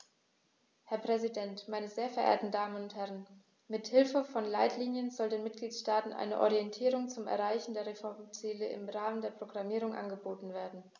Herr Präsident, meine sehr verehrten Damen und Herren, mit Hilfe von Leitlinien soll den Mitgliedstaaten eine Orientierung zum Erreichen der Reformziele im Rahmen der Programmierung angeboten werden.